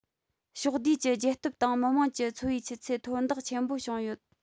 ཕྱོགས བསྡུས ཀྱི རྒྱལ སྟོབས དང མི དམངས ཀྱི འཚོ བའི ཆུ ཚད མཐོར འདེགས ཆེན པོ བྱུང ཡོད